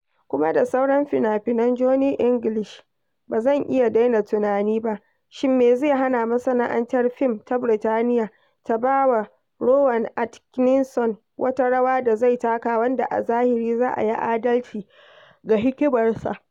Kuma da sauran fina-finan Johnny English ba zan iya daina tunani ba: shin me zai hana masana'antar fim ta Birtaniyya ta ba wa Rowan Atkinson wata rawa da zai taka wanda a zahiri za yi adalci ga hikimarsa?